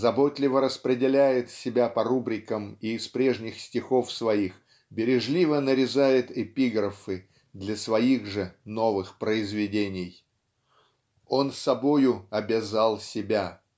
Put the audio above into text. заботливо распределяет себя по рубрикам и из прежних стихов своих бережливо нарезает эпиграфы для своих же новых произведений. Он собою обязал себя.